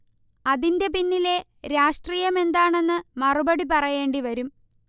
അതിന്റെ പിന്നിലെ രാഷ്ട്രീയം എന്താണെന്ന് മറുപടി പറയേണ്ടി വരും